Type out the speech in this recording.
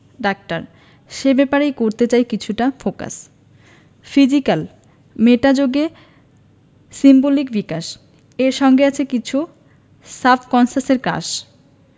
doctor সে ব্যাপারেই করতে চাই কিছুটা ফোকাস ফিজিক্যাল মেটা যোগে সিম্বলিক বিকাশ এর সঙ্গে আছে কিছু সাবকন্সাসের কাশ